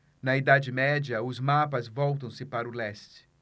na idade média os mapas voltam-se para o leste